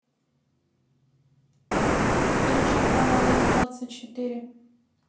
включи канал м двадцать четыре